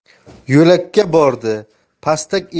yo'lakka bordi pastak